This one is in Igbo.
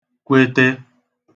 -kwete